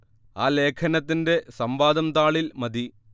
ആ ലേഖനത്തിന്റെ സംവാദം താളിൽ മതി